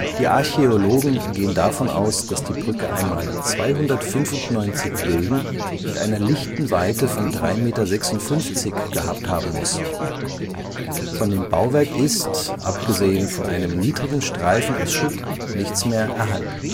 Die Archäologen gehen davon aus, dass die Brücke einmal 295 Bögen mit einer lichten Weite von 3,56 m gehabt haben muss. Von dem Bauwerk ist, abgesehen von einem niedrigen Streifen aus Schutt, nichts mehr erhalten